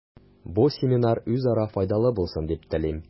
Бу семинар үзара файдалы булсын дип телим.